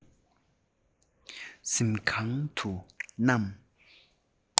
གཟིམ ཁང དུ བསྣམས